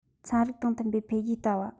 ཚན རིག དང མཐུན པའི འཕེལ རྒྱས ལྟ བ